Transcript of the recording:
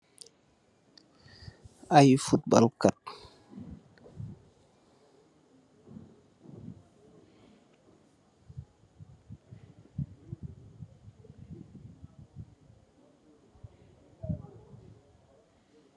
Aye football kat.